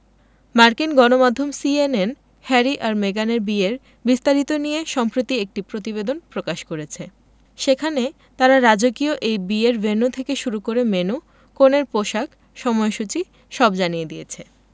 মার্কিন গণমাধ্যম CNN Harry আর মেগানের বিয়ের বিস্তারিত নিয়ে সম্প্রতি এক প্রতিবেদন প্রকাশ করেছে সেখানে তারা রাজকীয় এই বিয়ের ভেন্যু থেকে শুরু করে মেন্যু কনের পোশাক সময়সূচী সব জানিয়ে দিয়েছে